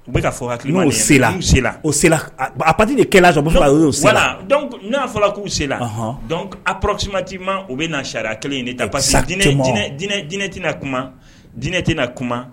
U bɛ ka fɔki o ati de kɛlɛsɔ n'a fɔrala k'u sen a pkisima d'i ma u bɛ na sariya kelen ɲini ta painɛ tɛnaa kuma dinɛ tɛna kuma